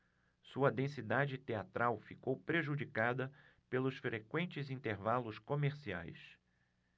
sua densidade teatral ficou prejudicada pelos frequentes intervalos comerciais